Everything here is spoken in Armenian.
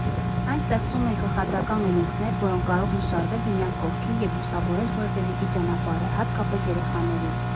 Այն ստեղծում է կախարդական ուլունքներ, որոնք կարող են շարվել միմյանց կողքին և լուսավորել որևէ մեկի ճանապարհը, հատկապես երեխաների»։